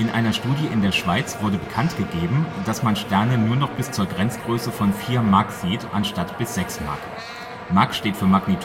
einer Studie in der Schweiz wurde bekanntgegeben, dass man Sterne nur noch bis zu Grenzgröße von 4 mag sieht, anstatt bis 6 mag. Die